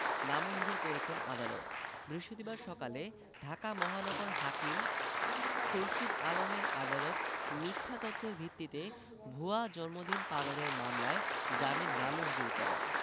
নামঞ্জুর করেছেন আদালত বৃহস্পতিবার সকালে ঢাকা মহানগর হাকিম খুরশীদ আলমের আদালত মিথ্যা তথ্যের ভিত্তিতে ভুয়া জন্মদিন পালনের মামলায় জামিন নামঞ্জুর করেন